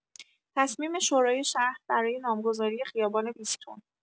تصمیم شورای شهر برای نامگذاری خیابان بیستون